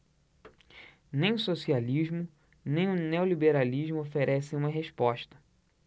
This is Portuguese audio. nem o socialismo nem o neoliberalismo oferecem uma resposta